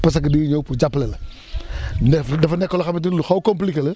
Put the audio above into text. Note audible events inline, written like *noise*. parce que dañuy ñëw pour jàppale la *breath* ne dsafa nekk loo xamante ne lu xaw a compliqué la